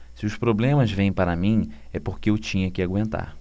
se os problemas vêm para mim é porque eu tinha que aguentar